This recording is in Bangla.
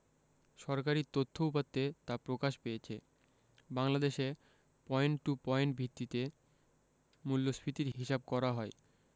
সরকারি তথ্য উপাত্তে তা প্রকাশ পেয়েছে বাংলাদেশে পয়েন্ট টু পয়েন্ট ভিত্তিতে মূল্যস্ফীতির হিসাব করা হয়